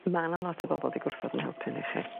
Ma' 'na lot o bobol 'di gwrthod 'yn helpu ni 'lly.